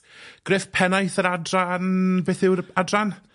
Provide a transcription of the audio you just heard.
Gruff pennaeth yr adran, beth yw'r adran?